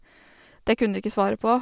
Det kunne de ikke svare på.